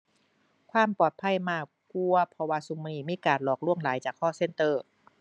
ความปลอดภัยมากกว่า เพราะว่าซุมื้อนี้มีการหลอกหลวงหลายจาก call center